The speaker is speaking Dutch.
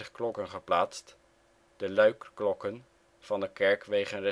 klokken geplaatst; de luiklokken van de kerk wegen